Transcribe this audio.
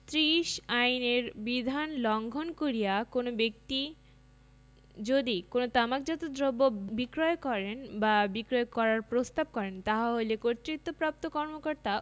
৩০ এই আইনের বিধান লংঘন করিয়া কোন ব্যক্তি যদি কোন তামাকজাত দ্রব্য বিক্রয় করেন বা বিক্রয় করার প্রস্তাব করেন তাহা হইলে কর্তৃত্বপ্রাপ্ত কর্মকর্তা